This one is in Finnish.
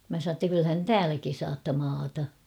minä sanoin jotta kyllähän te täälläkin saatte maata